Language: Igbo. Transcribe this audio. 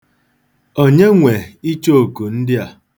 Onye nwe ichooku ndị a?